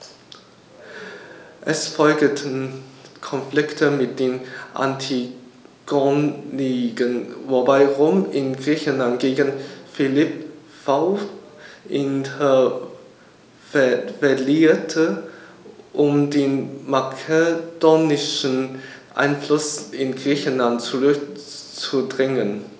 Es folgten Konflikte mit den Antigoniden, wobei Rom in Griechenland gegen Philipp V. intervenierte, um den makedonischen Einfluss in Griechenland zurückzudrängen.